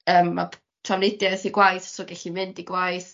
Yym ma' p- trafnidiaeth i gwaith so gellu mynd i gwaith